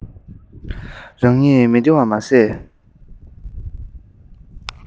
རང ཉིད མི བདེ བ མ ཟད